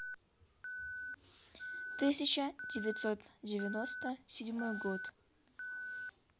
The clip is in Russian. тысяча девятьсот девяносто седьмой год